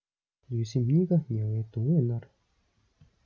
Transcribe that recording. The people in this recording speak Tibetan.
ལུས སེམས གཉིས ཀ ངལ བའི གདུང བས མནར